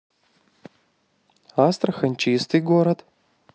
астрахань чистый город